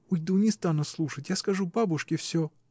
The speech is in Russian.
— Уйду, не стану слушать, я скажу бабушке всё.